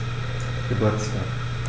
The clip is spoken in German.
Geburtstag